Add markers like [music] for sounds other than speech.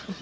[hesitation]